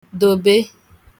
dòbe